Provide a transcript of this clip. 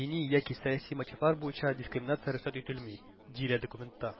дини яки сәяси мотивлар буенча дискриминация рөхсәт ителми", - диелә документта.